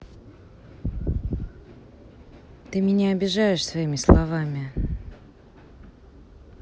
ты меня обижаешь своими словами